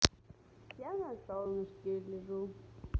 я на солнышке лежу